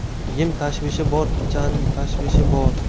yem tashvishi bor pichan tashvishi bor